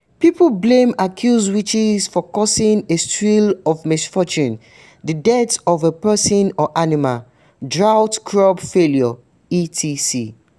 People blame accused witches for causing a slew of misfortunes: the death of a person or animal, droughts, crop failures, etc.